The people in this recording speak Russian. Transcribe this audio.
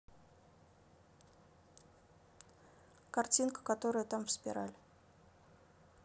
картинка которая там спираль